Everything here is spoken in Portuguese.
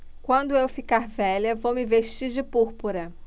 quando eu ficar velha vou me vestir de púrpura